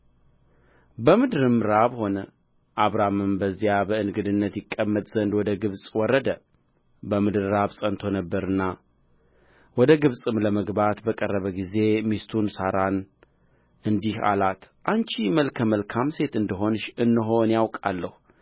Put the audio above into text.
በምድርም ራብ ሆነ አብራምም በዚያ በእንግድነት ይቀመጥ ዘንድ ወደ ግብፅ ወረደ በምድር ራብ ጸንቶ ነበርና ወደ ግብፅም ለመግባት በቀረበ ጊዜ ሚስቱን ሦራን እንዲህ አላት አንቺ መልከ መልካም ሴት እንደ ሆንሽ እነሆ እኔ አውቃለሁ